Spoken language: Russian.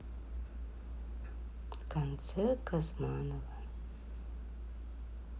концерт газманова